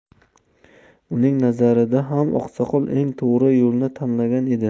uning nazarida ham oqsoqol eng to'g'ri yo'lni tanlagan edi